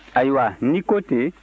ayiwa n'i ko ten